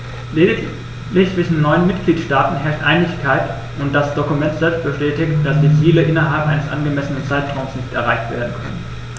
Lediglich zwischen neun Mitgliedsstaaten herrscht Einigkeit, und das Dokument selbst bestätigt, dass die Ziele innerhalb eines angemessenen Zeitraums nicht erreicht werden können.